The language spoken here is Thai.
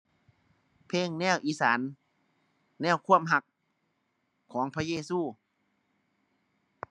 เพลงแนวอีสาน แนวความรักของพระเยซู